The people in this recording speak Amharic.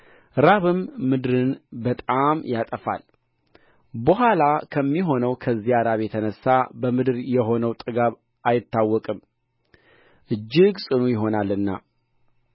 ራብም ምድርን በጣም ያጠፋል በኋላ ከሚሆነው ከዚያ ራብ የተነሣም በምድር የሆነው ጥጋብ አይታወቅም እጅግ ጽኑ ይሆናልና